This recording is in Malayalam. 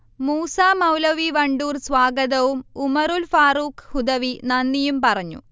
മൂസമൗലവി വണ്ടൂർ സ്വാഗതവും ഉമറുൽ ഫാറൂഖ്ഹുദവി നന്ദിയും പറഞ്ഞു